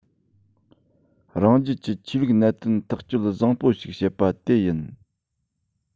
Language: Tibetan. རང རྒྱལ གྱི ཆོས ལུགས གནད དོན ཐག གཅོད བཟང བོ ཞིག བྱེད པ དེ ཡིན